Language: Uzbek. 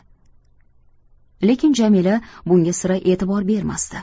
lekin jamila bunga sira e'tibor bermasdi